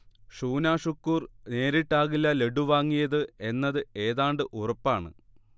ഷൂനാ ഷുക്കൂർ നേരിട്ടാകില്ല ലഡ്ഡു വാങ്ങിയത് എന്നത് ഏതാണ്ട് ഉറപ്പാണ്